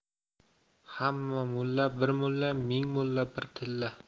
hamma mulla bir mulla ming mulla bir tilla